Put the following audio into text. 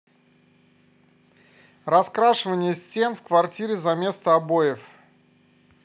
раскрашивание стен в квартире заместо обоев